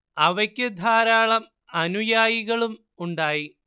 അവയ്ക്ക് ധാരാളം അനുയായികളും ഉണ്ടായി